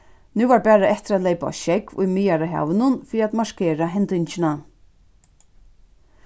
nú var bara eftir at leypa á sjógv í miðjarðarhavinum fyri at markera hendingina